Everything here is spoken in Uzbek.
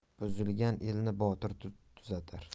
buzilgan elni botir tuzatar